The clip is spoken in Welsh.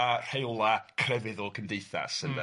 ...a rheola' crefyddol cymdeithas ynde.